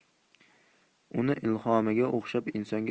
uni ilhomiga o'xshab insonga